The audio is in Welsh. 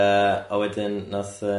Yy a wedyn nath yy.